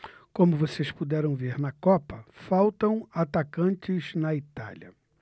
como vocês puderam ver na copa faltam atacantes na itália